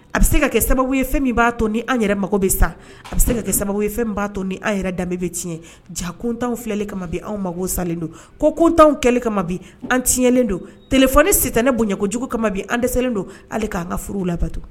A bɛ se ka kɛ sababu ye fɛn min b'a to, an yɛrɛ mago bɛ sa, a bɛ se ka kɛ sababu ye fɛn b'a to, an yɛrɛ danbe bɛ tiɲɛ, ja kuntanw filɛli kama bi, anw mago salen don, ko kuntan kɛli kama bi, an tiɲɛnlen don, téléphone sitanɛ bonya kojugu kama bi, an dɛsɛlen don hali k'an ka furu lato